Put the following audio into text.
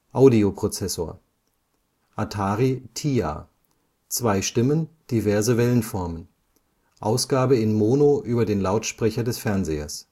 Audio-Prozessor: Atari TIA, zwei Stimmen, diverse Wellenformen. Ausgabe in Mono über den Lautsprecher des Fernsehers